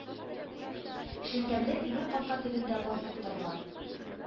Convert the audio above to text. Челтәрле тимер капка төбендә басып торган